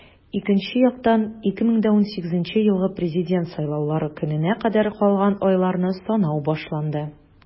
Икенче яктан - 2018 елгы Президент сайлаулары көненә кадәр калган айларны санау башланды.